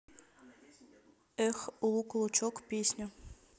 эх лук лучок песня